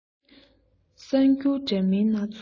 གསར འགྱུར འདྲ མིན སྣ ཚོགས